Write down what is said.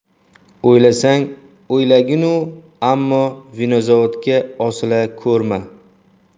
o'ylasang o'ylagin u ammo vinzavodga osila ko'rma